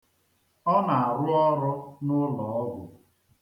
Ọ na-arụ ọrụ n'ụlọọgwụ.